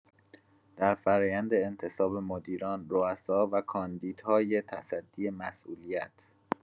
در فرایند انتصاب مدیران، روسا و کاندیداهای تصدی مسئولیت